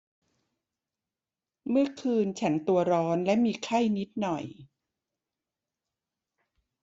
เมื่อคืนฉันตัวร้อนและมีไข้นิดหน่อย